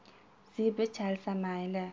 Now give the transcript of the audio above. zebi chalsa mayli